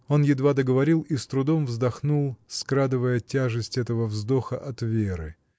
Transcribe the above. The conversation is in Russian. Он едва договорил и с трудом вздохнул, скрадывая тяжесть этого вздоха от Веры.